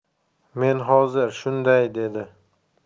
men hozir shunday dedi